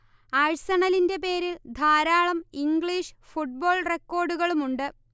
ആഴ്സണലിന്റെ പേരിൽ ധാരാളം English football റെക്കോർഡുകളുമുണ്ട്